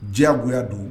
Diɲɛgoya don